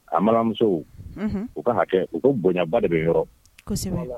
An balimamusow u ka hakɛ olu bonyaba de bɛ n yɔrɔ.